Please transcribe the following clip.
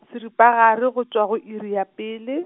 seripagare go tšwa go iri ya pele.